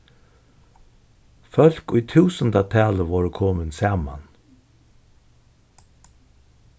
fólk í túsundatali vóru komin saman